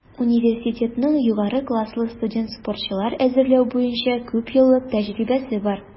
Университетның югары класслы студент-спортчылар әзерләү буенча күпьеллык тәҗрибәсе бар.